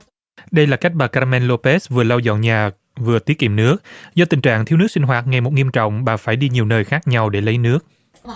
đây là cách bà ca ra men lô bớt vừa lau dọn nhà vừa tiết kiệm nước do tình trạng thiếu nước sinh hoạt ngày một nghiêm trọng bà phải đi nhiều nơi khác nhau để lấy nước